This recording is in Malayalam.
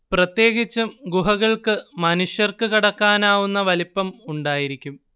പ്രത്യേകിച്ചും ഗുഹകൾക്ക് മനുഷ്യർക്ക് കടക്കാനാവുന്ന വലിപ്പം ഉണ്ടായിരിക്കും